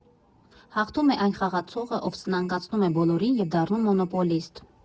Հաղթում է այն խաղացողը, ով սնանկացնում է բոլորին և դառնում մոնոպոլիստ։